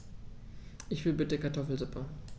Ich will bitte Kartoffelsuppe.